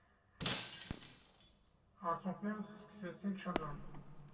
Արցունքներս սկսեցին չռալ։